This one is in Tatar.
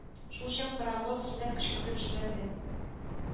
Шул чак паравоз кинәт кычкыртып җибәрде